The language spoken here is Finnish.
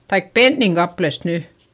tai pennin kappaleesta nyt